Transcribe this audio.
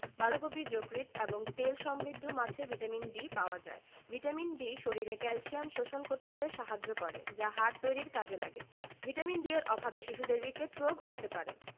বাঁধাকপি যকৃৎ এবং তেল সমৃদ্ধ মাছে ভিটামিন D পাওয়া যায় ভিটামিন D শরীরে ক্যালসিয়াম শোষণ করতে সাহায্য করে যা হাড় তৈরীর কাজে লাগে ভিটামিন D এর অভাবে শিশুদের রিকেট রোগ হতে পারে